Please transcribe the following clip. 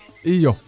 iyoo